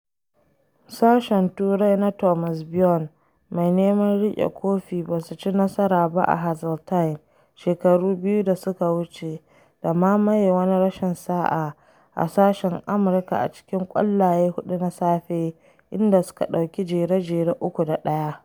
Sashen Turai na Thomas Bjorn, mai neman riƙe kofin ba su ci nasara ba a Hazeltine shekaru biyu da suka wuce, da mamaye wani rashin sa’a a sashen Amurka a cikin ƙwallaye huɗu na safe, inda suka ɗauki jere-jere 3 da 1.